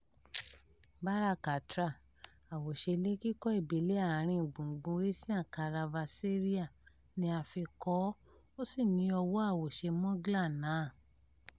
Bara Katra, àwòṣe ilé kíkọ́ ìbílẹ̀ Àárín gbùngbùn Asian caravanserais ni a fi kọ́ ọ, ó sì ní ọwọ́ọ àwòṣe Mughal náà.